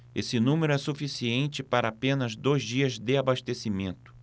esse número é suficiente para apenas dois dias de abastecimento